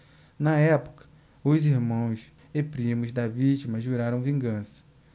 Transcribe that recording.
na época os irmãos e primos da vítima juraram vingança